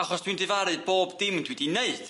Achos dwi'n difaru bob dim dwi di neud.